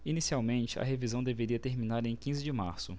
inicialmente a revisão deveria terminar em quinze de março